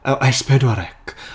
O S4C.